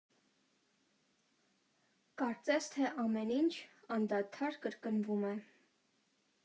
Կարծես թե ամեն ինչ, անդադար կրկնվում է…